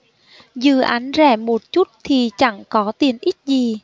dự án rẻ một chút thì chẳng có tiện ích gì